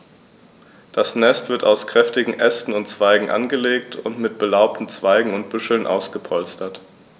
Das Nest wird aus kräftigen Ästen und Zweigen angelegt und mit belaubten Zweigen und Büscheln ausgepolstert.